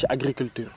ci agriculture